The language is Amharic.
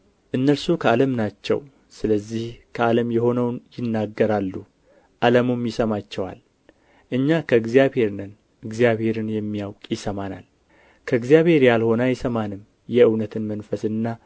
እነርሱ ከዓለም ናቸው ስለዚህ ከዓለም የሆነውን ይናገራሉ ዓለሙም ይሰማቸዋል እኛ ከእግዚአብሔር ነን እግዚአብሔርን የሚያውቅ ይሰማናል ከእግዚአብሔር ያልሆነ አይሰማንም የእውነትን መንፈስና